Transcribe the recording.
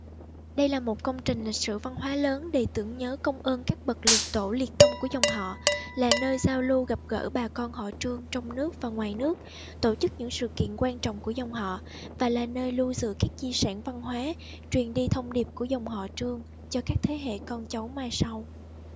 đây là một công trình lịch sử văn hóa lớn để tưởng nhớ công ơn các bậc liệt tổ liệt tông của dòng họ là nơi giao lưu gặp gỡ bà con họ trương trong nước và ngoài nước tổ chức những sự kiện quan trọng của dòng họ và là nơi lưu giữ các di sản văn hóa truyền đi thông điệp của dòng họ trương cho các thế hệ con cháu mai sau